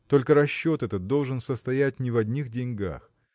Только расчет этот должен состоять не в одних деньгах.